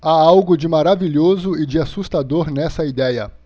há algo de maravilhoso e de assustador nessa idéia